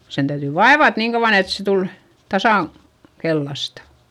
sen täytyi vaivata niin kauan että se tuli tasan keltaista